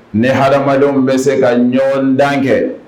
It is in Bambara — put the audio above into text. Ne hadamadenw bɛ se ka ɲɔgɔn dan kɛ